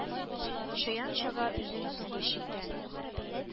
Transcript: Чаян чага үзен соңгы чиктә,